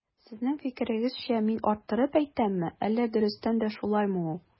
Сезнең фикерегезчә мин арттырып әйтәмме, әллә дөрестән дә шулаймы ул?